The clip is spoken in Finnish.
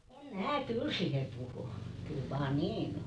en minä kyllä siihen puhu kyllä vain niin on